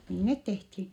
niin ne tehtiin